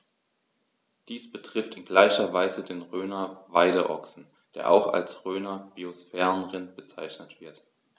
Dies betrifft in gleicher Weise den Rhöner Weideochsen, der auch als Rhöner Biosphärenrind bezeichnet wird.